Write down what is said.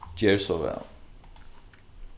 ger so væl